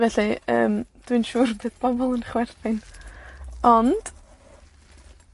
Felly, yym dwi'n siŵr bydd pobol yn chwerthin, ond,